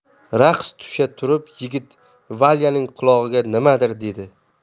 raqs tusha turib yigit valyaning qulog'iga nimadir dedi